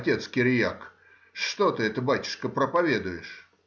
Отец Кириак, что ты это, батюшка, проповедуешь?